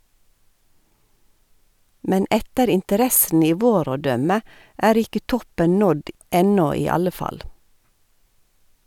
Men etter interessen i vår å dømme er ikke toppen nådd ennå i alle fall.